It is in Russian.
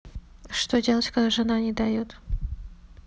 а что делать когда жена не дает